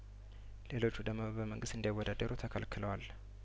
ሌሎቹ ደግሞ በመንግስት እንዳይወዳደሩ ተከልክለዋል